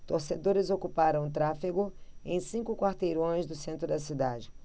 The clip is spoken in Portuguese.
torcedores ocuparam o tráfego em cinco quarteirões do centro da cidade